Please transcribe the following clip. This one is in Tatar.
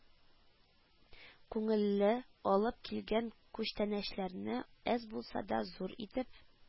Күңелле, алып килгән күчтәнәчләрне әз булса да зур итеп